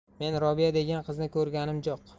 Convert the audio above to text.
men robiya degan qizni ko'rganim jo'q